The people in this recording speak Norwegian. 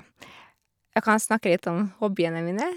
Jeg kan snakke litt om hobbyene mine.